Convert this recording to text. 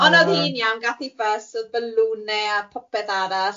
Ond o'dd hi'n iawn gath i fuss odd balwne a popeth arall,